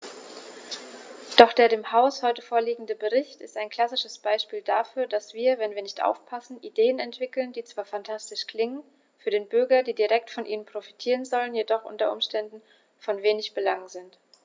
Doch der dem Haus heute vorliegende Bericht ist ein klassisches Beispiel dafür, dass wir, wenn wir nicht aufpassen, Ideen entwickeln, die zwar phantastisch klingen, für die Bürger, die direkt von ihnen profitieren sollen, jedoch u. U. von wenig Belang sind.